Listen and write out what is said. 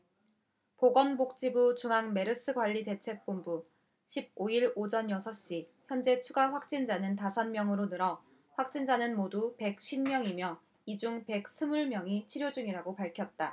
보건복지부 중앙메르스관리대책본부 십 오 일 오전 여섯 시 현재 추가 확진자가 다섯 명 늘어 확진자는 모두 백 쉰 명이며 이 중 백 스물 명이 치료 중이라고 밝혔다